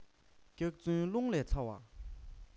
སྐྱག རྫུན རླུང ལས ཚ བ